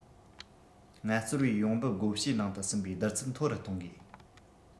ངལ རྩོལ པའི ཡོང འབབ བགོ བཤའི ནང དུ ཟིན པའི བསྡུར ཚད མཐོ རུ གཏོང དགོས